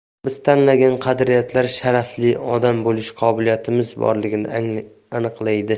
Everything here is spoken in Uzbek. albatta biz tanlagan qadriyatlar sharafli odam bo'lish qobiliyatimiz borligini aniqlaydi